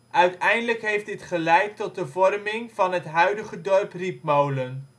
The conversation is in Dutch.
Uiteindelijk heeft dit geleid tot de vorming van het huidige dorp Rietmolen